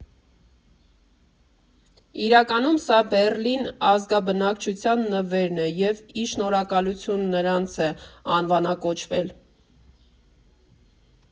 Իրականում սա Բեռլինի ազգաբնակչության նվերն է և ի շնորհակալություն նրանց է անվանակոչվել։